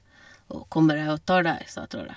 Å kommer jeg og tar deg, sa trollet.